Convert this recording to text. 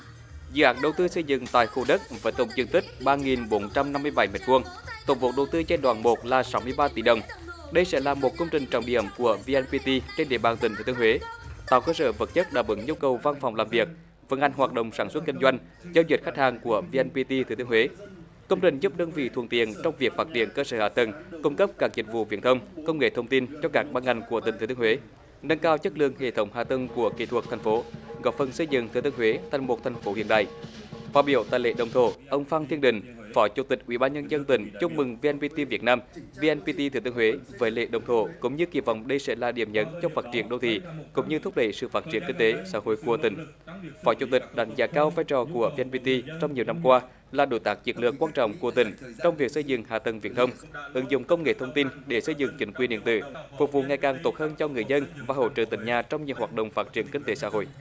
dự án đầu tư xây dựng tại khu đất với tổng diện tích ba nghìn bốn trăm năm mươi bảy mét vuông tổng vốn đầu tư trên toàn bộ là sáu mươi ba tỷ đồng đây sẽ là một công trình trọng điểm của vi en pi ti trên địa bàn tỉnh thừa thiên huế tạo cơ sở vật chất đáp ứng nhu cầu văn phòng làm việc vân anh hoạt động sản xuất kinh doanh giao dịch khách hàng của vi en pi ti thừa thiên huế công trình giúp đơn vị thuận tiện trong việc phát triển cơ sở hạ tầng cung cấp các dịch vụ viễn thông công nghệ thông tin cho các ban ngành của tỉnh thừa thiên huế nâng cao chất lượng hệ thống hạ tầng của kỹ thuật thành phố góp phần xây dựng thừa thiên huế thành một thành phố hiện đại phát biểu tại lễ động thổ ông phan thiên định phó chủ tịch ủy ban nhân dân tỉnh chúc mừng vi en pi ti việt nam vi en pi ti thừa thiên huế với lễ động thổ cũng như kỳ vọng đây sẽ là điểm nhấn trong phát triển đô thị cũng như thúc đẩy sự phát triển kinh tế xã hội của tỉnh phó chủ tịch đánh giá cao vai trò của vi en pi ti trong nhiều năm qua là đối tác chiến lược quan trọng của tỉnh trong việc xây dựng hạ tầng viễn thông ứng dụng công nghệ thông tin để xây dựng chính quyền điện tử phục vụ ngày càng tốt hơn cho người dân và hỗ trợ tận nhà trong nhiều hoạt động phát triển kinh tế xã hội